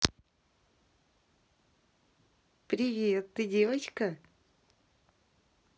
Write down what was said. привет ты девочка